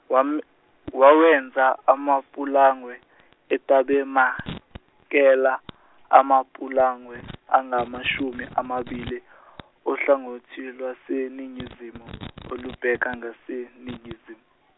wam- wawenza amapulangwe, eTabemakela, amapulangwe, angamashumi amabili, ohlangothini lwaseningizimu, olubheka ngaseNingizimu.